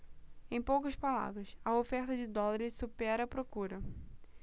em poucas palavras a oferta de dólares supera a procura